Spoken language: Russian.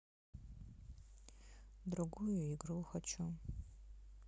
другую игру хочу